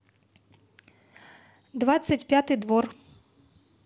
двадцать пятый двор